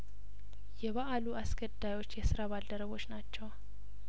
የበአሉ አስገዳዮች የስራ ባልደረቦች ናቸው